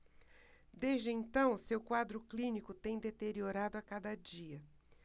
desde então seu quadro clínico tem deteriorado a cada dia